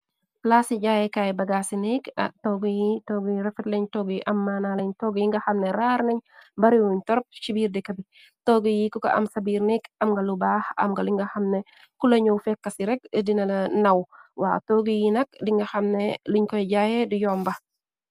Plaas yi jaayekaay bagaa ci nekg toggiyi toggiyi refet lañ. Tog yi am maana lañ toggi yi nga xamne raar nañ bariwuñ torp ci biir dika bi. Toggi yi ku ko am sa biir nekk am nga lu baax. Am nga li nga xamne ku lañu fekka ci reg dina la naw waxa toogi yi nag di nga xamne liñ koy jaaye di yomba.